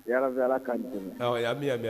Ara ala ka y' min yan mɛn